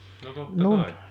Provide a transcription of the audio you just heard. no totta kai